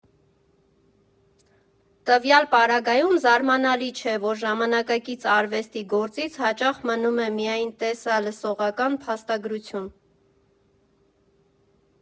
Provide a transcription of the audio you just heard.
Տվյալ պարագայում զարմանալի չէ, որ ժամանակակից արվեստի «գործից» հաճախ մնում է միայն տեսա֊լսողական փաստագրություն.